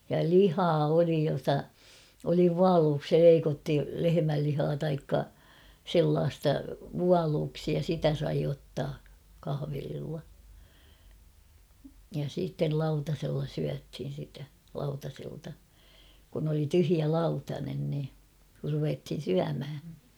ja lihaa oli jota oli vuoluiksi leikattu lehmänlihaa taikka sellaista vuoluiksi ja sitä sai ottaa kahvelilla ja sitten lautasella syötiin sitä lautaselta kun oli tyhjä - lautanen niin kun ruvettiin syömään